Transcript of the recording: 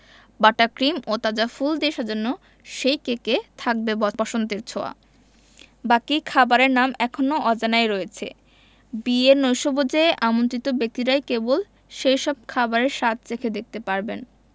butter cream ও তাজা ফুল দিয়ে সাজানো সেই কেকে থাকবে বসন্তের ছোঁয়া বাকি খাবারের নাম এখনো অজানাই রয়েছে বিয়ের নৈশভোজে আমন্ত্রিত ব্যক্তিরাই কেবল সেসব খাবারের স্বাদ চেখে দেখতে পারবেন